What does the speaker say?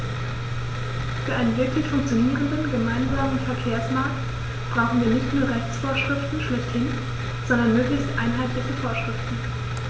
Für einen wirklich funktionierenden gemeinsamen Verkehrsmarkt brauchen wir nicht nur Rechtsvorschriften schlechthin, sondern möglichst einheitliche Vorschriften.